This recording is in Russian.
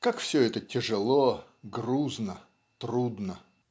Как все это тяжело, грузно, трудно!